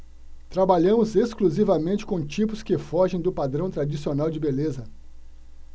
trabalhamos exclusivamente com tipos que fogem do padrão tradicional de beleza